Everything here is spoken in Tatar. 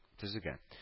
Төзегән